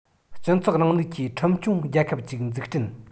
སྤྱི ཚོགས རིང ལུགས ཀྱི ཁྲིམས སྐྱོང རྒྱལ ཁབ ཅིག འཛུགས སྐྲུན